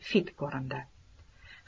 fid ko'rindi